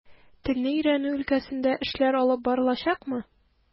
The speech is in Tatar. Телне өйрәнү өлкәсендә эшләр алып барылачакмы?